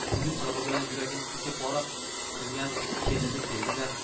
tungi qilig'i bilan yuragini tilka pora qilgan kelini keldi da